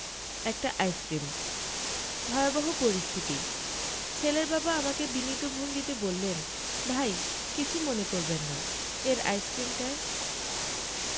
একটা আইসক্রিম ভয়াবহ পরিস্থিতি ছেলেটির বাবা আমাকে বিনীত ভঙ্গিতে বললেন ভাই কিছু মনে করবেন না এর আইসক্রিমটায়